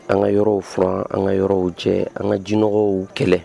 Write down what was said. An ka yɔrɔw furan an ka yɔrɔ cɛ an ka jinɔgɔw kɛlɛ